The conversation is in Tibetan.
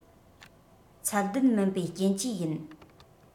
ཚད ལྡན མིན པའི རྐྱེན གྱིས ཡིན